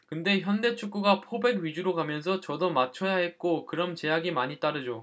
그런데 현대축구가 포백 위주로 가면서 저도 맞춰야 했고 그럼 제약이 많이 따르죠